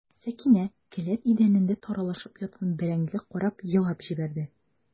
Сәкинә келәт идәнендә таралышып яткан бәрәңгегә карап елап җибәрде.